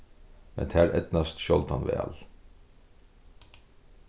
men tær eydnast sjáldan væl